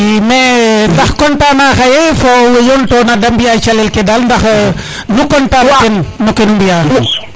i me ndax content na xaye fo we yoon tona de mbiya calel ke dal ndax nu content na ten no kenu mbiya